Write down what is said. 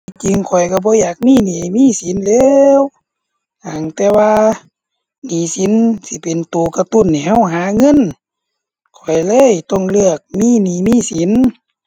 ที่จริงข้อยก็บ่อยากมีหนี้มีสินแหล้ว หั้งแต่ว่าหนี้สินสิเป็นก็กระตุ้นให้ก็หาเงิน ข้อยเลยต้องเลือกมีหนี้มีสิน